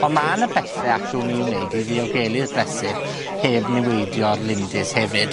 Ond ma' 'na bethe allwn ni 'u wneud i ddiogelu'r bresych, heb niweidio'r lindys hefyd.